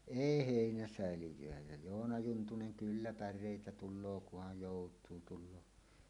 ei heinäsäiliöitä ja Joona Juntunen kyllä päreitä tulee kunhan joutuu tulee